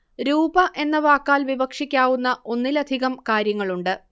രൂപ എന്ന വാക്കാൽ വിവക്ഷിക്കാവുന്ന ഒന്നിലധികം കാര്യങ്ങളുണ്ട്